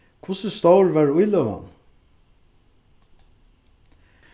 hvussu stór var íløgan